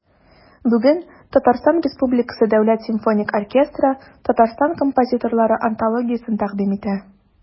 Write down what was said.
Бүген ТР Дәүләт симфоник оркестры Татарстан композиторлары антологиясен тәкъдим итә.